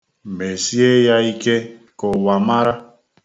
Mesie ya ike ka ụwa mara.